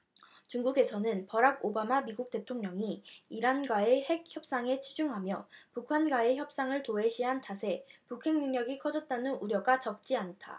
중국에서는 버락 오바마 미국 대통령이 이란과의 핵 협상에 치중하며 북한과의 협상을 도외시한 탓에 북핵 능력이 커졌다는 우려가 적지 않다